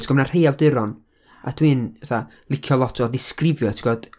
Tibod ma' 'na rhai awduron, a dwi'n, fatha, licio lot o ddisgrifio, tibod?